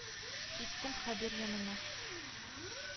Киттем Хәбир янына